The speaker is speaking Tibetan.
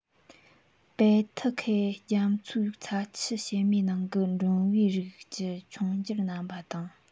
པལ ཐི ཁེ རྒྱ མཚོའི ཚྭ ཆུ ཕྱེད མའི ནང གི འགྲོན བུའི རིགས ཀྱི ཆུང འགྱུར རྣམ པ དང